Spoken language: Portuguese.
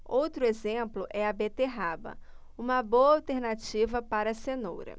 outro exemplo é a beterraba uma boa alternativa para a cenoura